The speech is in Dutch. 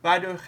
waardoor